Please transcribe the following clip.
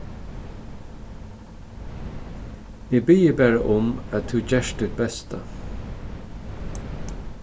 eg biði bara um at tú gert títt besta